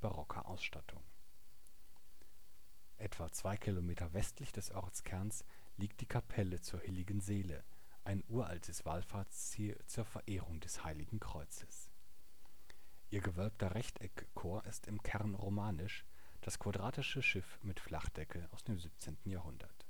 barocker Ausstattung. Etwa zwei Kilometer westlich des Ortskernes liegt die Kapelle zur hilligen Seele, ein uraltes Wallfahrtsziel zur Verehrung des heiligen Kreuzes. Ihr gewölbter Rechteckchor ist im Kern romanisch, das quadratische Schiff mit Flachdecke aus dem 17. Jahrhundert.